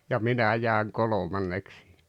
ja minä jäin kolmanneksi siihen